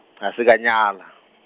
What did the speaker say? ga se ka nyala.